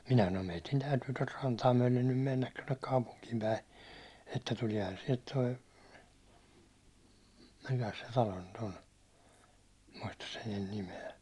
minä sanoin meidän täytyy tuota rantaa myöten nyt mennä tuonne kaupunkiin päin että tuleehan sieltä tuo mikäs se talo nyt on muista sen nyt nimeä